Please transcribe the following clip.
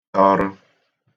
tọrə̣